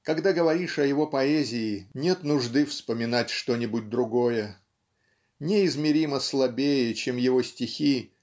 Когда говоришь о его поэзии, нет нужды вспоминать что-нибудь другое. Неизмеримо слабее чем его стихи